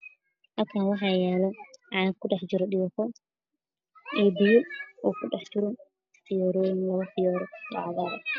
Halkan waxa yalo cag ku dhaxjiro dhiiqo iyo biyo oo ku dhaxjiron fiyoroyin iyo labobfiyoro